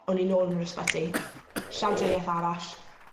o'n i nôl yn yr ysbyty. Llawdrinieth arall